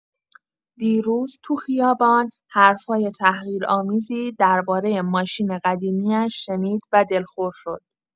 دیروز تو خیابان حرف‌های تحقیرآمیزی درباره ماشین قدیمی‌اش شنید و دلخور شد.